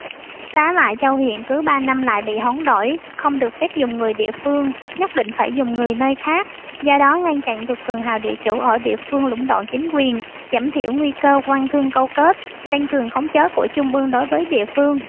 tá lại châu huyện cứ ba năm lại bị hoán đổi không được phép dùng người địa phương nhất định phải dùng người nơi khác do đó ngăn chặn được cường hào địa chủ ở địa phương lũng đoạn chính quyền giảm thiểu nguy cơ quan thương câu kết tăng cường khống chế của trung ương đối với địa phương